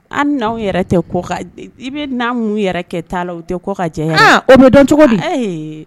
An n anw yɛrɛ tɛ i bɛ n' n yɛrɛ kɛ taa la o tɛ kɔ ka jan o bɛ dɔn cogo min